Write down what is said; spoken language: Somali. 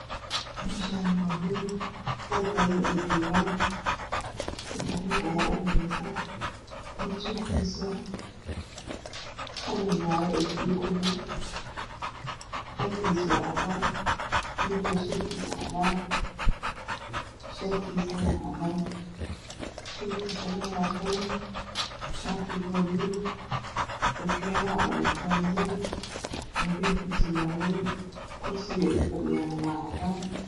Meshani waa hool dad badani ye joogan sedax nin ayaa uhoraysa mid suud kiisa waa qalin iyo buluug ku jiro shatigiisa waa cadan sudka kalena waa qalin sharkisuna waa bulugokiyalaha na waa madoow kursiga uu ku fadhiyana waa cadan